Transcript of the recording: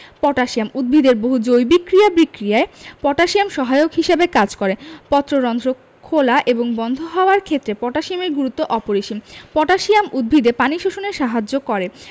potassium উদ্ভিদের বহু জৈবিক ক্রিয়া বিক্রিয়ায় পটাশিয়াম সহায়ক হিসেবে কাজ করে পত্ররন্ধ্র খোলা এবং বন্ধ হওয়ার ক্ষেত্রে পটাশিয়ামের গুরুত্ব অপরিসীম পটাশিয়াম উদ্ভিদে পানি শোষণে সাহায্য করে